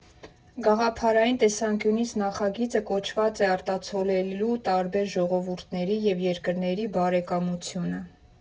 Գաղափարային տեսանկյունից նախագիծը կոչված է արտացոլելու տարբեր ժողովուրդների և երկրների բարեկամությունը։